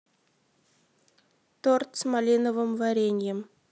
торт с малиновым вареньем